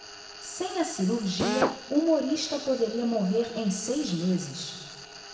sem a cirurgia humorista poderia morrer em seis meses